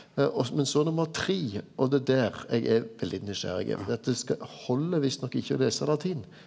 men så nummer tre og det er der eg er veldig nysgjerrig for det at det held visstnok ikkje å lesa latin.